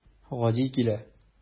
Гази килә.